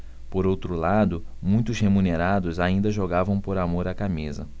por outro lado muitos remunerados ainda jogavam por amor à camisa